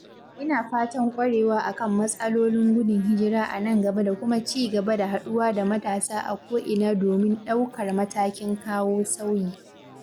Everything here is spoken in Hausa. Ina fatan ƙwarewa a kan mas'alolin gudun hijira a nan gaba da kuma ci gaba da haɗuwa da matasa a ko'ina domin ɗaukar matakin kawo sauyi.